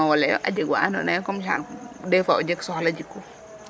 pour o ñoow ole yo a jeg wa andoona ye comme genre,